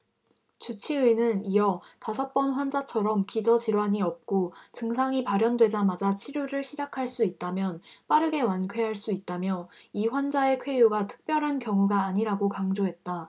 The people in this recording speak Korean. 주치의는 이어 다섯 번 환자처럼 기저 질환이 없고 증상이 발현되자마자 치료를 시작할 수 있다면 빠르게 완쾌할 수 있다며 이 환자의 쾌유가 특별한 경우가 아니라고 강조했다